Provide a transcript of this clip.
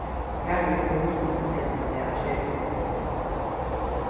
harvið kom hugskotið at seta eitt slag av skermi upp har